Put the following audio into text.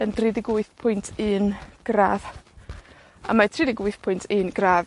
yn dri deg wyth pwynt un gradd. A mae tri deg wyth pwynt un gradd